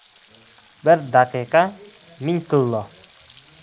bir daqiqa ming tillo